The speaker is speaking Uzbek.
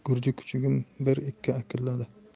gurji kuchugim birikki akilladi